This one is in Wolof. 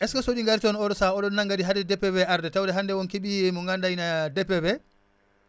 est ce que